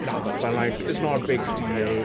it happened like, it's not a big deal.